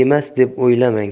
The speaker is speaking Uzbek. emas deb o'ylamang